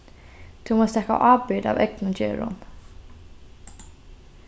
tú mást taka ábyrgd av egnum gerðum